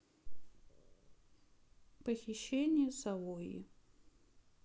похищение савойи